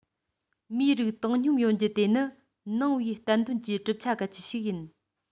མིའི རིགས བཏང སྙོམས ཡོང རྒྱུ དེ ནི ནང པའི བསྟན དོན གྱི གྲུབ ཆ གལ ཆེན ཞིག ཡིན